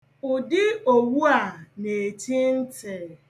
Ụdị owu a na-echi ntị.